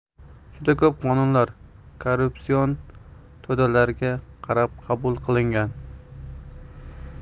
juda ko'p qonunlar korrupsion to'dalarga qarab qabul qilingan